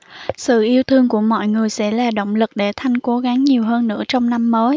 sự yêu thương của mọi người sẽ là động lực để thanh cố gắng nhiều hơn nữa trong năm mới